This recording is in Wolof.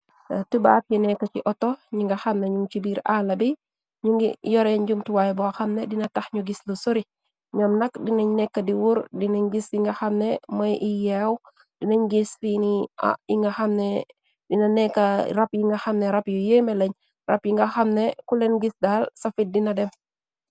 tubaat yi nekk ci oto ñi nga xamna ñum ci biir àala bi ñi ngi yoreeñ njugtuwaaye boo xamne dina tax ñu gis lu sori ñoom nak dinañ nekk di wuur dinañ gis yi nga xamne mooy i yeew dinañ gis dina nekk rap yi nga xamne rap yu yéeme lañ rab yi nga xamne kuleen gis daal safit dina dem.